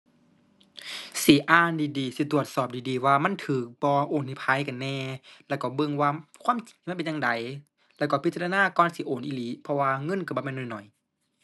สิอ่านดีดี สิตรวจสอบดีดีว่ามันถูกบ่ โอนให้ไผกันแน่ แล้วก็เบิ่งว่าความจริงมันเป็นจั่งใด แล้วก็พิจารณาก่อนสิโอนอีหลี เพราะว่าเงินถูกบ่แม่นน้อยน้อย